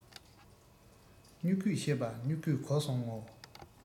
སྨྱུ གུའི བཤད པ སྨྱུ གུས གོ སོང ངོ